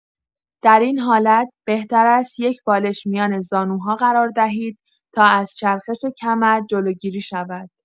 در این حالت، بهتر است یک بالش میان زانوها قرار دهید تا از چرخش کمر جلوگیری شود.